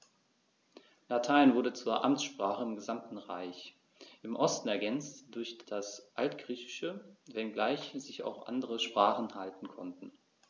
Latein wurde zur Amtssprache im gesamten Reich (im Osten ergänzt durch das Altgriechische), wenngleich sich auch andere Sprachen halten konnten.